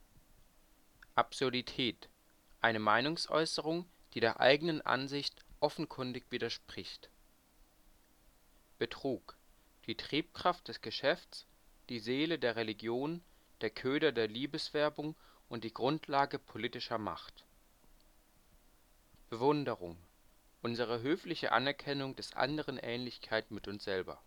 Absurdität: Eine Meinungsäußerung, die der eigenen Ansicht offenkundig widerspricht. “„ Betrug: Die Triebkraft des Geschäfts, die Seele der Religion, der Köder der Liebeswerbung und die Grundlage politischer Macht. “„ Bewunderung: Unsere höfliche Anerkennung des Anderen Ähnlichkeit mit uns selber